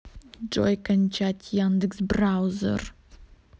джой кончать яндекс браузер